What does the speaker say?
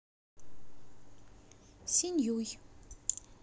синьюй